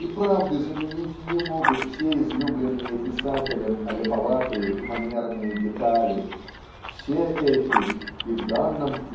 и правды заменить не могут все излюбленные писателем аляповатые и манерные детали все эти и в данном